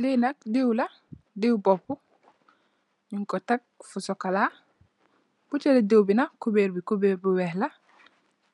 Lee nak deew la dewu bopu nugku tek fu sukola butele deew be nak kuberr be kuberr bu weex la